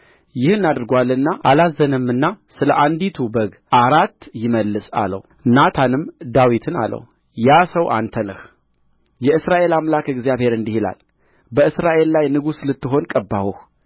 ይህን አድርጎአልና አላዘነምና ስለ አንዲቱ በግ አራት ይመልስ አለው ናታንም ዳዊትን አለው ያ ሰው አንተ ነህ የእስራኤል አምላክ እግዚአብሔር እንዲህ ይላል በእስራኤል ላይ ንጉሥ ልትሆን ቀባሁህ